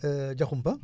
Diakhoumpa